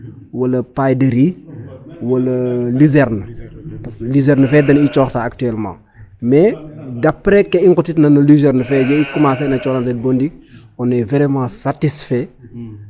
Parce que liserne fe i cooxtaa actuelelment mais d' aprés ke i nqootiidna no luserne fe yee i commencer na cooxan a den bo ndiik on est vraiment satisfait par rapport a la production parce que on a vu que production fe a augmenter a parce que a jega naak ke naak ɗik o .